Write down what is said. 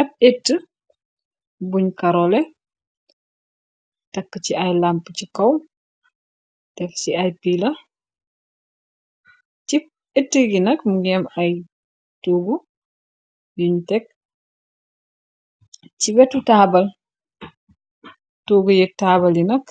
Ab ehtuh buñ karole takk ci ay lamp ci kaw def ci ai pila ci ehtuh yi nak mugi amm ay toggu yuñ teg ci wetu taabal toggu-yeg taabal yi nag